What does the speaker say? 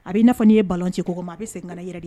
A bɛi'a n' ye baci kɔ ma a bɛ segin n yɛrɛ di